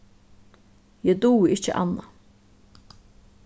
eg dugi ikki annað